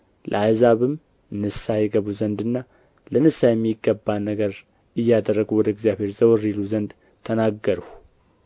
ለአሕዛብም ንስሐ ይገቡ ዘንድና ለንስሐ የሚገባ ነገር እያደረጉ ወደ እግዚአብሔር ዘወር ይሉ ዘንድ ተናገርሁ